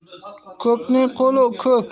ko'pning qo'li ko'p